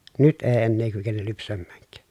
nyt ei enää kykene lypsämäänkään